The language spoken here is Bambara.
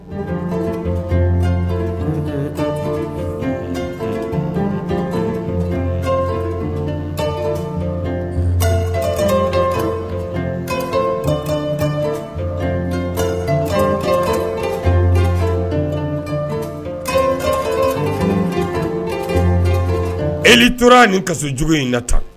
San e tora ni kasi jugu in na tan